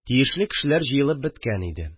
Тиешле кешеләр җыелып беткән иде